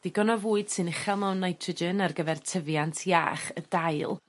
Digon o fwyd sy'n uchel mewn nitrogen ar gyfer tyfiant iach y dail.